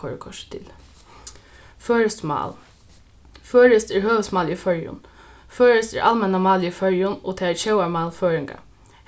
koyrikortið til føroyskt mál føroyskt er høvuðsmálið í føroyum føroyskt er almenna málið í føroyum og tað er tjóðarmál føroyinga